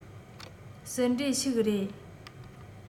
སྲིད འབྲས ཤིག རེད